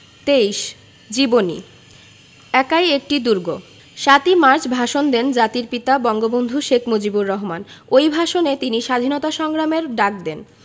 ২৩ জীবনী একাই একটি দুর্গ ৭ই মার্চ ভাষণ দেন জাতির পিতা বঙ্গবন্ধু শেখ মুজিবুর রহমান ওই ভাষণে তিনি স্বাধীনতা সংগ্রামের ডাক দেন